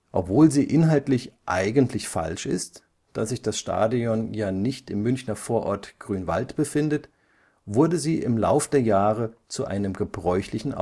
Obwohl sie inhaltlich eigentlich falsch ist, da sich das Stadion ja nicht im Münchner Vorort Grünwald befindet, wurde sie im Lauf der Jahre zu einem gebräuchlichen